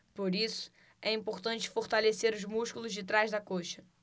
por isso é importante fortalecer os músculos de trás da coxa